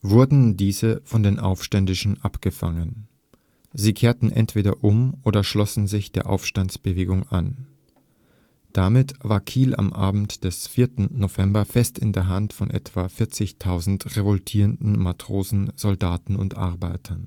wurden diese von den Aufständischen abgefangen. Sie kehrten entweder um oder schlossen sich der Aufstandsbewegung an. Damit war Kiel am Abend des 4. November fest in der Hand von etwa 40.000 revoltierenden Matrosen, Soldaten und Arbeitern